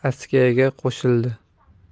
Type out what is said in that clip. ham askiyaga qo'shildi